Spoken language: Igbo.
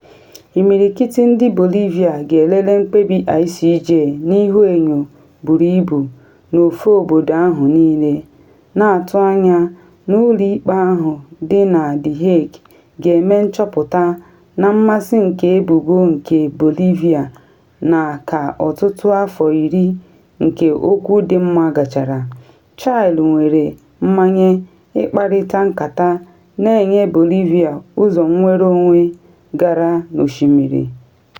Imirikiti ndị Bolivia ga-elele mkpebi ICJ n’ihuenyo buru ibu n’ofe obodo ahụ niile, na atụ anya na ụlọ ikpe ahụ dị na The Hague ga-eme nchọpụta na mmasị nke ebubo nke Bolivia na - ka ọtụtụ afọ iri nke okwu dị mma gachara - Chile nwere mmanye ịkparịta nkata na enye Bolivia ụzọ nnwere onwe gara n’osimiri.